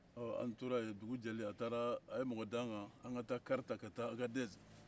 ɔ an tora ye dugu jɛlen a taara a ye mɔgɔ d'an kan an ka taa kari ta ka taa agadɛsi